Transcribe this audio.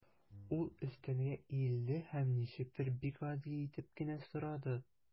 Ул өстәлгә иелде һәм ничектер бик гади итеп кенә сорады.